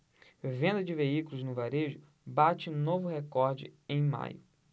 venda de veículos no varejo bate novo recorde em maio